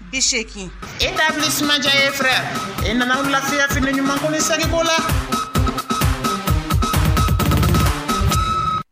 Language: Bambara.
I see kin e t' fili simanjan ye fɛ e nana lafiyafi ɲumankun seliko la